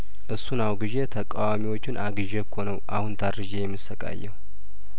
እሱን አውግዤ ተቃዋሚዎቹን አግዤ እኮ ነው አሁን ታርዤ የምሰቃየው